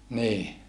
niin